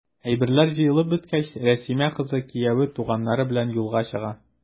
Әйберләр җыелып беткәч, Рәсимә, кызы, кияве, туганнары белән юлга чыга.